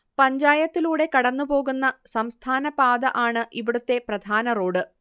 പഞ്ചായത്തിലൂടെ കടന്നുപോകുന്ന സംസ്ഥാനപാത ആണ് ഇവിടുത്തെ പ്രധാന റോഡ്